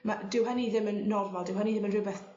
ma' dyw hynny ddim yn normal dyw hynny ddim yn rywbeth